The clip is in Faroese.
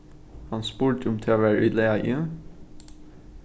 hann spurdi um tað var í lagi